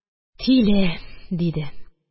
– тиле! – диде